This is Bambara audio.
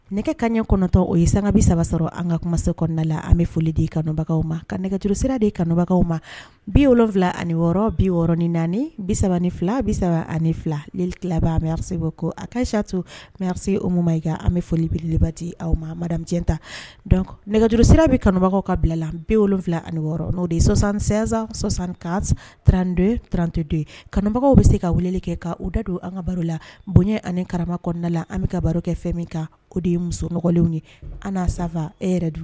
Nɛgɛ kaɲɛ kɔnɔntɔn o ye sangabi saba sɔrɔ an ka kumase kɔnɔnada la an bɛ foli di kanubagaw ma nɛgɛjurusira de kanubagaw ma bi wolonwula ani wɔɔrɔ biɔrɔn ni naani bi3 ni fila bi3 ani fila liti mɛse bɔ ko a ka sito mɛse o ma ika an bɛ foli bieleti aw ma mada tac nɛgɛjuru sira bɛ kanubagaw ka bila la bi wolonwula ani wɔɔrɔ n'o de sɔsan san sɔsan ka tranto tranteto ye kanubagaw bɛ se ka wele kɛ ka uda don an ka baro la bonya ani karama kɔnɔnada la an bɛ ka baro kɛ fɛn min kan ko de ye musonlenw ye an sanfɛ e yɛrɛ don